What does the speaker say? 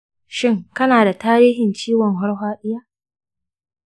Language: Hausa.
shin kana da tarihin ciwon farfaɗiya?